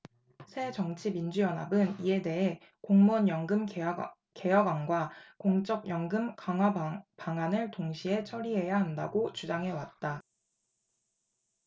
새정치민주연합은 이에 대해 공무원연금 개혁안과 공적연금 강화방안을 동시에 처리해야 한다고 주장해왔다